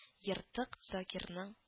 Ертык Закирның